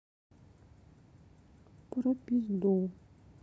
про пизду